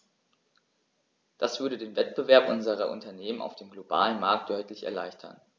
Das würde den Wettbewerb unserer Unternehmen auf dem globalen Markt deutlich erleichtern.